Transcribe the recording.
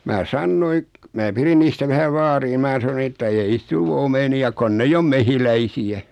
minä sanoin minä pidin niistä vähän vaaria niin minä sanoin että ei niistä tule omenia kun ei ole mehiläisiä